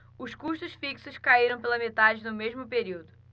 os custos fixos caíram pela metade no mesmo período